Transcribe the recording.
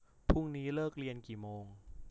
พรุ่งนี้เลิกเรียนกี่โมง